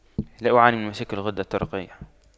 لا أعاني من مشاكل الغدة الدرقية